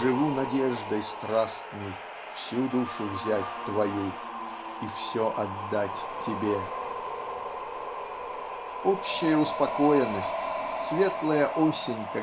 Живу надеждой страстной Всю душу взять твою - и все отдать тебе! Общая успокоенность светлая осень